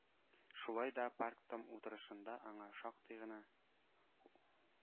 Шулай да партком утырышында аңа шактый гына